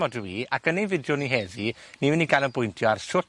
...odw i ac yn ein fideo ni heddi, ni fynd i ganolbwyntio ar shwt